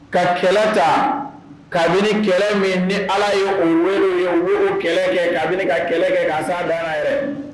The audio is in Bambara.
Ka kɛlɛ ta kabini ni kɛlɛ min ni ala ye u ye u' kɛlɛ kɛ ka ka kɛlɛ kɛ ka da yɛrɛ